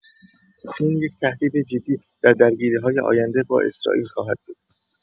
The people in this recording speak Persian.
این یک تهدید جدید در درگیری‌های آینده با اسرائیل خواهد بود.